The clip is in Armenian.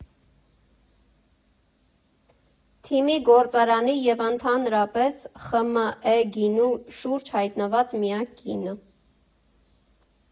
Թիմի, գործարանի և, ընդհանրապես, ԽՄԷ գինու շուրջ հայտնված միակ կինը։